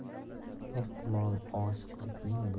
ehtimol oshiqlikning butun